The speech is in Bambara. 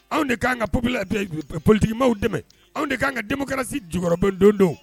Anw de k'an ka poli politigima dɛmɛ anw de k'an ka denmusokarasi jɔyɔrɔdon don